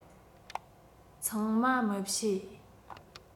ཚང མ མི ཤེས